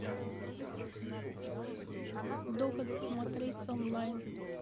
довод смотреть онлайн